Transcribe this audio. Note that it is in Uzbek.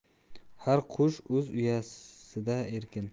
har qush o'z uyasida erkin